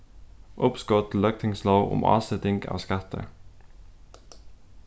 uppskot til løgtingslóg um áseting av skatti